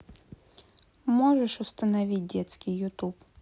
можешь установить детский ютуб